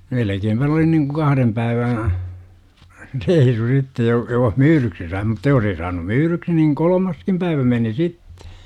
melkeinpä ne oli niin kuin kahden päivän reissu sitten jos jos myydyksi sai mutta jos ei saanut myydyksi niin kolmaskin päivä meni sitten